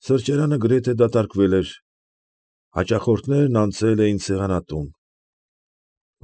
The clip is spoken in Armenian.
Սրճարանը գրեթե դատարկվել էր։ Հաճախորդներն անցել էին սեղանատուն։